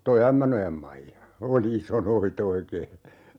tuo Ämmänojan Maija oli iso noita oikein